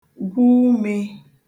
gwụ umē